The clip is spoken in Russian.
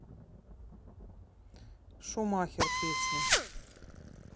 шумахер песня